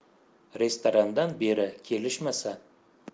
restorandan beri kelishmasa